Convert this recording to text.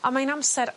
a mae'n amser